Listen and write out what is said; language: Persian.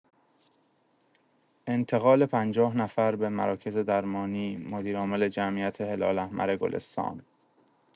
انتقال ۵۰ نفر به مراکز درمانی مدیرعامل جمعیت هلال‌احمر گلستان